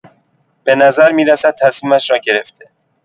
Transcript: به نظر می‌رسد تصمیمش را گرفته.